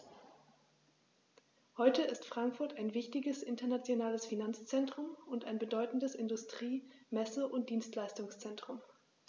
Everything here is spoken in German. Heute ist Frankfurt ein wichtiges, internationales Finanzzentrum und ein bedeutendes Industrie-, Messe- und Dienstleistungszentrum.